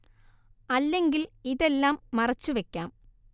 അല്ലെങ്കിൽ ഇതെല്ലാം മറച്ചുവെക്കാം